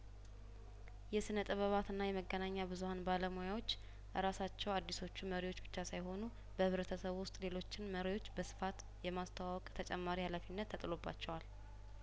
የስነ ጥበባትና የመገናኛ ብዙሀን ባለሙያዎች እራሳቸው አዲሶቹ መሪዎች ብቻ ሳይሆኑ በህብረተሰቡ ውስጥ ሌሎችን መሪዎች በስፋት የማስተዋወቅ ተጨማሪ ሀላፊነት ተጥሎባቸዋል